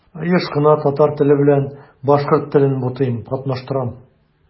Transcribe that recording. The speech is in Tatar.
Еш кына татар теле белән башкорт телен бутыйм, катнаштырам.